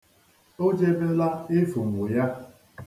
O jebela ifunwu ya.